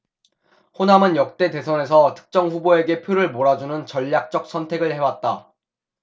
호남은 역대 대선에서 특정 후보에게 표를 몰아주는 전략적 선택을 해왔다